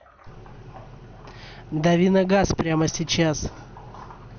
дави на газ прямо сейчас